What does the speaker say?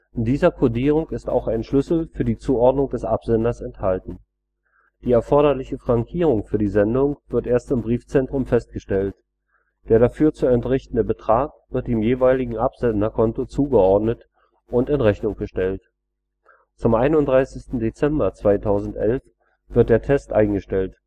In dieser Codierung ist auch ein Schlüssel für die Zuordnung des Absenders enthalten. Die erforderliche Frankierung für die Sendung wird erst im Briefzentrum festgestellt; der dafür zu entrichtende Betrag wird dem jeweiligen Absenderkonto zugeordnet und in Rechnung gestellt. Zum 31. Dezember 2011 wird der Test eingestellt